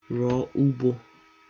rụ ugbō